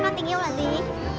tình yêu là gì